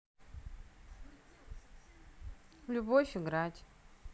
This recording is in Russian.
любовь играть